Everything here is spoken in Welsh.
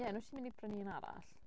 Ie, ond wyt ti mynd i prynnu un arall?